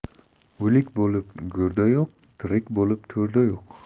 o'lik bo'lib go'rda yo'q tirik bo'lib to'rda yo'q